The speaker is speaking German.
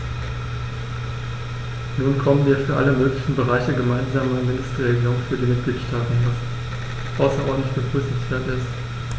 Nun bekommen wir für alle möglichen Bereiche gemeinsame Mindestregelungen für die Mitgliedstaaten, was außerordentlich begrüßenswert ist.